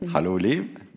hallo Liv.